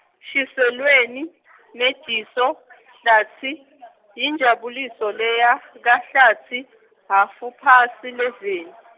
Shiselweni, Nediso, Hlatsi, yiNjabuliso leya kaHlatsi hhafuphasi leveni.